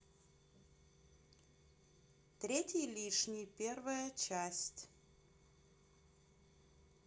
третий лишний первая часть